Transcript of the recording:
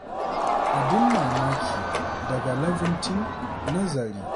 ‘Abin mamaki’ daga Livingston - nazari